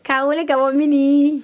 Ka wuli ka min